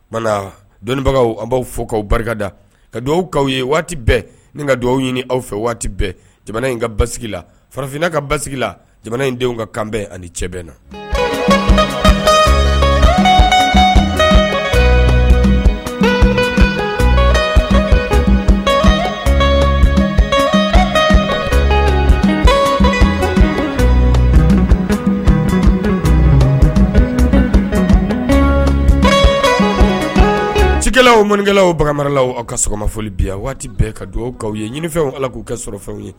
Tuma dɔnnibagaw an b'aw fɔ ka barikada ka dugawukaw ye waati bɛɛ ni ka dugawu ɲini aw fɛ waati bɛɛ jamana in ka basi la farafinna ka basi la jamana in denw ka kanbɛn ani cɛ na cikɛlawlaw o manɔnikɛlaw olaw aw ka sɔgɔma fɔoli bi waati bɛɛ ka dugawukaw ye ɲini fɛnw ala k'u kɛ sɔrɔ fɛnw ye